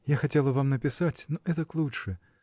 я хотела вам написать, но этак лучше.